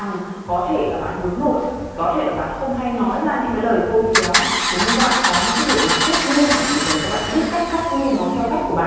có thể là bạn hướng nội có thể là bạn không hay nói ra những cái lời khôn khéo thế nhưng các bạn có những cái điểm mạnh rất riêng và chỉ cần các bạn biết cách phát huy nó theo cách của bạn thôi